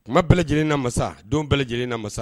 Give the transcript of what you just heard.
Kuma bɛɛ lajɛlen na masa don bɛɛ lajɛlenina masa